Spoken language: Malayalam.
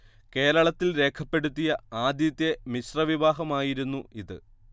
കേരളത്തിൽ രേഖപ്പെടുത്തിയ ആദ്യത്തെ മിശ്രവിവാഹമായിരുന്നു ഇത്